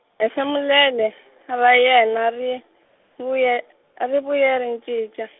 hefemulela, ra yena ri, vuye , ri vuye ri cinca.